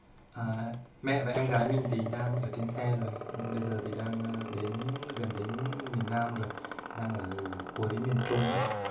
mẹ và em gái mình đang ở trên xe đang sắp đến miền nam rồi đang ở cuối miền trung